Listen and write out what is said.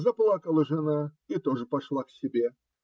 Заплакала жена и тоже пошла к себе.